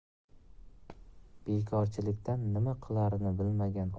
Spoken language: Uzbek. bekorchilikdan nima qilarini bilmagan